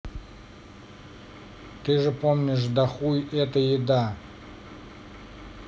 ты же помнишь да хуй это еда